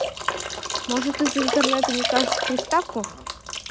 может из за интернета не кажут приставку